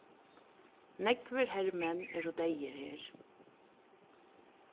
nógvir hermenn eru deyðir her